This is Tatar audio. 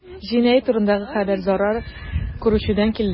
Җинаять турындагы хәбәр зарар күрүчедән килде.